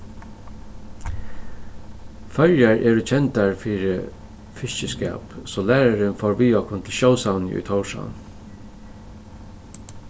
føroyar eru kendar fyri fiskiskap so lærarin fór við okkum til sjósavnið í tórshavn